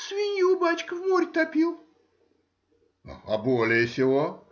— Свинью, бачка, в море топил. — А более сего?